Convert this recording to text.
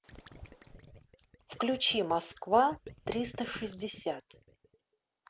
включи москва триста шестьдесят